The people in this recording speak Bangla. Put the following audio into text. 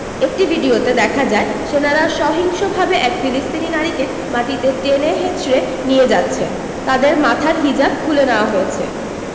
একটি ভিডিওতে দেখা যায় সেনারা সহিংসভাবে এক ফিলিস্তিনি নারীকে মাটিতে টেনে হেঁচড়ে নিয়ে যাচ্ছে তাদের মাথার হিজাব খুলে নেওয়া হয়েছে